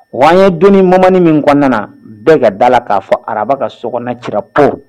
W'an ye donnin moment nin min kɔnɔna na, bɛɛ ka d' ala la k'a fɔ araba ka sokɔnɔna cira po